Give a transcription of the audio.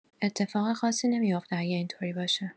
اتفاقی خاصی نمیوفته اگه این‌طوری باشه